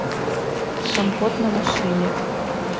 компот на машине